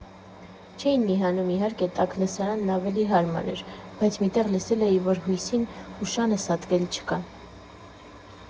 Չէին միանում իհարկե, տաք լսարանն ավելի հարմար էր, բայց մի տեղ լսել էի, որ հույսին ու շանը սատկել չկա։